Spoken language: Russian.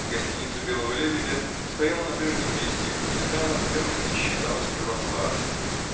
Гостиница "Белого лебедя" стояла на прежнем месте и процветала, хотя уже не считалась первоклассной